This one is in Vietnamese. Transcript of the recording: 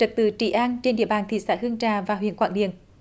trật tự trị an trên địa bàn thị xã hương trà và huyện quảng điền